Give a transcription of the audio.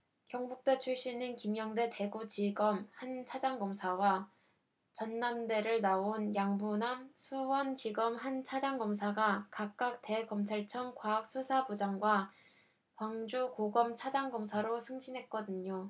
경북대 출신인 김영대 대구지검 한 차장검사와 전남대를 나온 양부남 수원지검 한 차장검사가 각각 대검찰청 과학수사부장과 광주고검 차장검사로 승진했거든요